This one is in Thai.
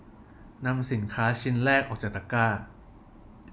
นำสินค้าชิ้นแรกออกจากตะกร้า